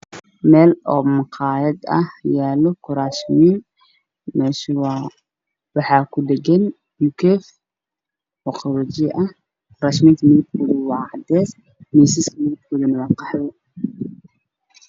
Meeshaan oo maqaayad ah yaalo kuraasmiin meesha waa waxaa ku dhagan mukaayf oo qaboojiya ah kuraasman midabkooda waa cadays miisaska midabkooda waa qaxwi.